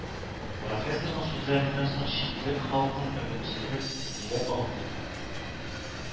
Профессорның сүзләреннән соң читлек халкын өметсезлек биләп алды